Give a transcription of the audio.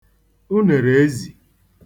unèrèezì